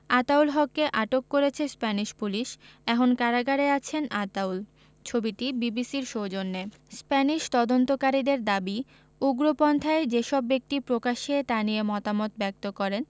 আতাউল হককে আটক করেছে স্প্যানিশ পুলিশ এখন কারাগারে আছেন আতাউল ছবিটি বিবিসির সৌজন্যে স্প্যানিশ তদন্তকারীদের দাবি উগ্রপন্থায় যেসব ব্যক্তি প্রকাশ্যে তা নিয়ে মতামত ব্যক্ত করেন